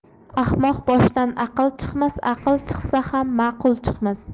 ahmoq boshdan aql chiqmas aql chiqsa ham ma'qul chiqmas